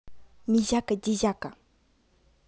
мизяка дизяка